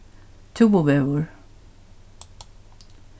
túvuvegur